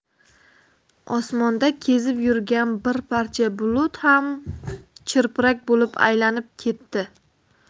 osmonda kezib yurgan bir parcha bulut ham chirpirak bo'lib aylanib ketdi